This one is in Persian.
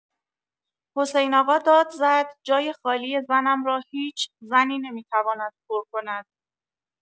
حسین آقا داد زد جای خالی زنم را هیچ زنی نمی‌تواند پر کند.